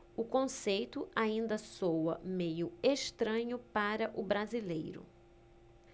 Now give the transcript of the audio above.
o conceito ainda soa meio estranho para o brasileiro